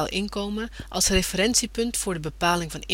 inkomen als referentiepunt voor de bepaling